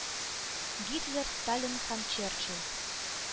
Гитлер, Сталин һәм Черчилль.